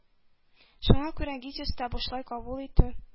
Шуңа күрә ГИТИСта бушлай кабул итү